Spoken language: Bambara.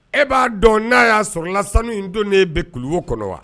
E b'a dɔn n'a y'a sɔrɔ la sanu in donnen bɛ kuluwo kɔnɔ wa?